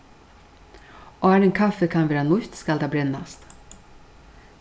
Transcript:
áðrenn kaffið kann verða nýtt skal tað brennast